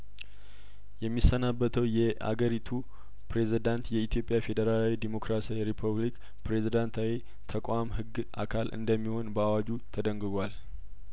የሚ ሰናበተው የአገሪቱ ፕሬዝዳንት የኢትዮጵያ ፌዴራላዊ ዴሞክራሲያዊ ሪፐብሊክ ፕሬዝዳንታዊ ተቋም ህግ አካል እንደሚሆን በአዋጁ ተደንግጓል